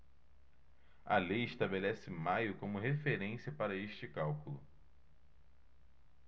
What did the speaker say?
a lei estabelece maio como referência para este cálculo